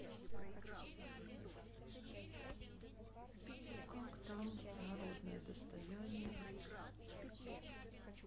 как там народное достояние